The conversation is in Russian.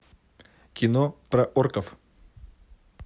кино про орков